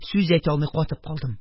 Сүз әйтә алмый катып калдым.